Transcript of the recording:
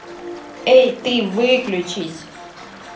эй ты выключись